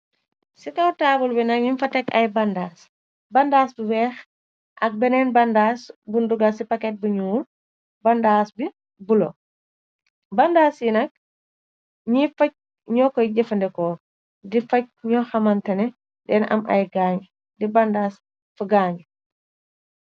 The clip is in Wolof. Si kaw taabal bi nak ñuñ fa tek ay bàndaas, bandaas bu weex ak beneen bàndaas bu dugal ci paket bu ñuul, bandaas bi bulo, bandaas yi nak ñuy faj ño koy jëfandekoo, di faj ño xamantane deen am ay gaañu, di bandaas ku gaañu.